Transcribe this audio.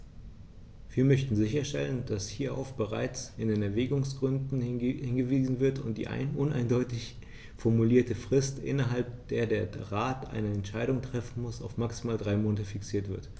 Wir möchten sicherstellen, dass hierauf bereits in den Erwägungsgründen hingewiesen wird und die uneindeutig formulierte Frist, innerhalb der der Rat eine Entscheidung treffen muss, auf maximal drei Monate fixiert wird.